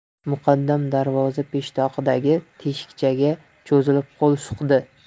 muqaddam darvoza peshtoqidagi teshikchaga cho'zilib qo'l suqdi